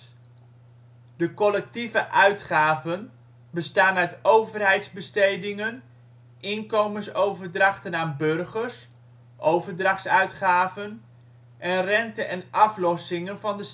collectieve uitgaven bestaan uit overheidsbestedingen, inkomensoverdrachten aan burgers (overdrachtsuitgaven) en rente en aflossingen van de